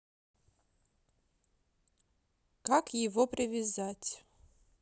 как его привязать